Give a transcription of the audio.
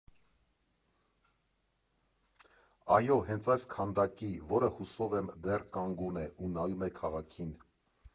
Այո, հենց այս քանդակի, որը, հուսով եմ, դեռ կանգուն է ու նայում է քաղաքին…